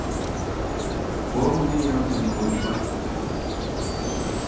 kom niðan til mín beint nú